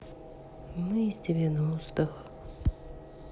мы из девяностых